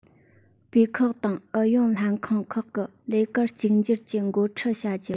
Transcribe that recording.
པུའུ ཁག དང ཨུ ཡོན ལྷན ཁང ཁག གི ལས ཀར གཅིག གྱུར གྱིས འགོ ཁྲིད བྱ རྒྱུ